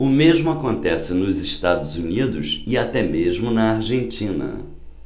o mesmo acontece nos estados unidos e até mesmo na argentina